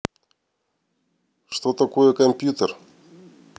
что такое компьютер